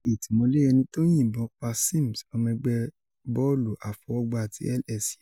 Ìtìmọ́lé ẹni tó yìnbọn pa Sims, ọmọ ẹgbẹ́ bọ́ọ̀lù àfọwọ́gbá ti LSU